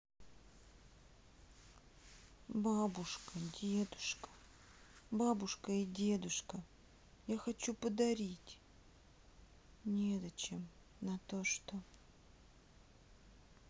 бабушка дедушка бабушка и дедушка я хочу подарить незачем на то что